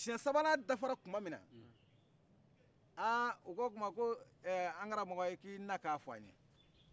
siyɛn sabana dafa tuma min a u k'o kuma an karamɔkɔ i na kan fɔ an ɲe